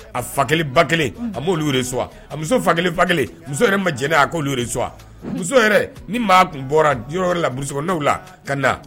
A fa kelen ba kelen a'olu yɛrɛ a muso fakelen ba kelen muso yɛrɛ ma jɛnɛ a'olurewa muso yɛrɛ ni maa tun bɔra wɛrɛ laurukdaw la ka na